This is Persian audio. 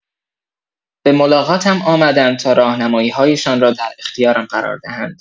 به ملاقاتم آمدند تا راهنمایی‌هایشان را در اختیارم قرار دهند.